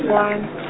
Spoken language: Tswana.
tswan-.